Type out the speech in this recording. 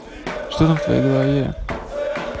что там в твоей голове